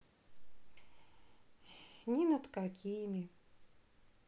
ни над какими